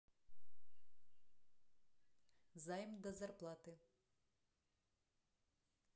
займ до зарплаты